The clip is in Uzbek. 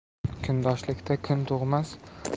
kundoshlikka kun tug'mas